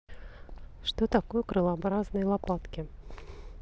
что такое крылообразные лопатки